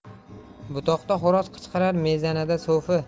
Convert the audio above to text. butoqda xo'roz qichqirar mezanada so'fi